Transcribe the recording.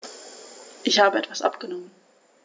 Ich habe etwas abgenommen.